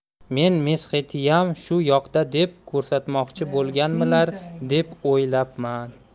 men mesxetiyam shu yoqda deb ko'rsatmoqchi bo'lganmilar deb o'ylabman